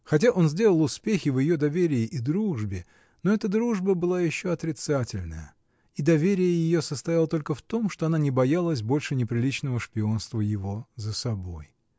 Хотя он сделал успехи в ее доверии и дружбе, но эта дружба была еще отрицательная, и доверие ее состояло только в том, что она не боялась больше неприличного шпионства его за собой.